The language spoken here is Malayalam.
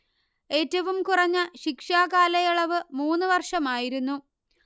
ഏറ്റവും കുറഞ്ഞ ശിക്ഷാ കാലയളവ് മൂന്നു വർഷമായിരുന്നു